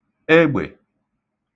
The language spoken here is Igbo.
egbè